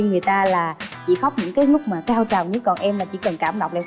người ta là chỉ khóc những cái lúc mà cao trào nhất còn em là chỉ cần cảm động là